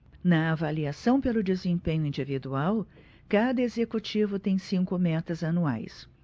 na avaliação pelo desempenho individual cada executivo tem cinco metas anuais